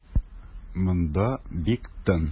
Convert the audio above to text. Монда бик тын.